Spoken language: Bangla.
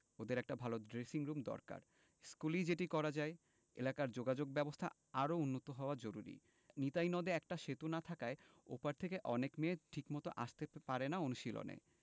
ওদের একটা ভালো ড্রেসিংরুম দরকার স্কুলেই যেটি করা যায় এলাকার যোগাযোগব্যবস্থা আরও উন্নত হওয়া জরুরি নিতাই নদে একটা সেতু না থাকায় ও পার থেকে অনেক মেয়ে ঠিকমতো আসতে পারে না অনুশীলনে